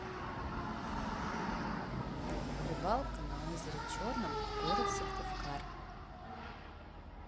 рыбалка на озере черном город сыктывкар